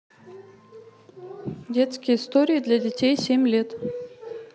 детские истории для детей семь лет